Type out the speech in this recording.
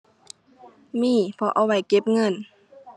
มี เพราะเอาไว้เก็บเงิน